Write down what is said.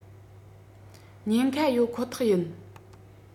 ཉན ཁ ཡོད ཁོ ཐག ཡིན